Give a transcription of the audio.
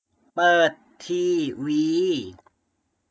เปิดทีวี